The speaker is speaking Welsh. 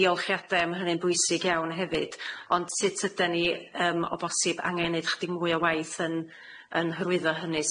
diolchiade ma' hynny'n bwysig iawn hefyd ond sut ydan ni yym o bosib angen neud chydig mwy o waith yn yn hyrwyddo hynny,